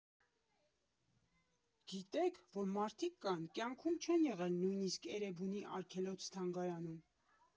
Գիտե՞ք, որ մարդիկ կան՝ կյանքում չեն եղել նույնիսկ Էրեբունի արգելոց֊թանգարանում։